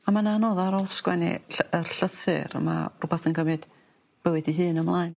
A ma'n anodd ar ôl sgwennu ll- yr llythyr a ma' rwbath yn gymyd bywyd 'i hun ymlaen.